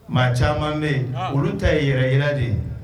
Maa caman bɛ olu ta ye yɛrɛ yi de ye